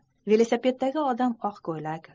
velosipeddagi odam oq ko'ylak